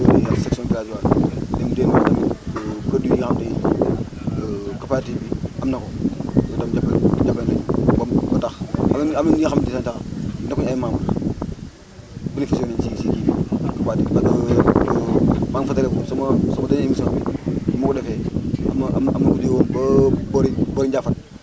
*** dem jënd produit yi nga xamante ne COOPADELSI am na ñu dem defar nañ ko defar nañ ko bam ba tax am na ñu nga xamante ne tax nekkuñu ay membres bénéficié nañ si si kii bi parce que maa ngi fàtaliku sama sama dernière :!fra émission bi ma ko defee am na am na jugee woon ba boori boori Njaafaat